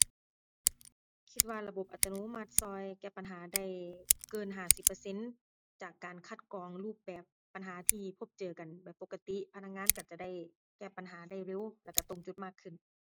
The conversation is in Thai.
คิดว่าระบบอัตโนมัติช่วยแก้ปัญหาได้เกินห้าสิบเปอร์เซ็นต์ จากการคัดกรองรูปแบบปัญหาที่พบเจอกันแบบปกติ พนักงานช่วยจะได้แก้ปัญหาได้เร็ว แล้วช่วยตรงจุดมากขึ้น